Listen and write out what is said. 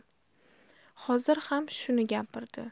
hozir ham shuni gapirdi